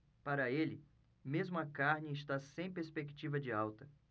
para ele mesmo a carne está sem perspectiva de alta